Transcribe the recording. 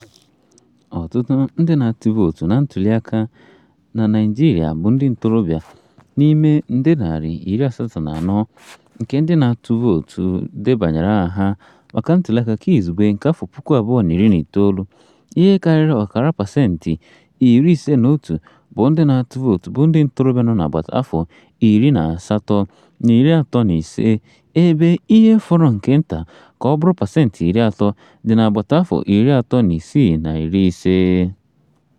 Ọtụtụ ndị na-atụ vootu na ntụliaka na Naịjirịa bụ ndị ntorobịa. N'ime nde narị iri asatọ na anọ, nke ndị na-atụ vootu debanyere aha ha maka Ntụliaka Keizugbe nke afọ puku abụọ na iri na itoolu, ihe karịrị ọkara — pasentị iri isi na otu— bụ ndị na-atụ vootu bụ ntorobịa nọ n'agbata afọ iri na asatọ na iri atọ na ise, ebe ihe fọrọ nke nta ka ọ bụrụ pasentị iri atọ dị n'agbata afọ iri atọ na isii na iri ise.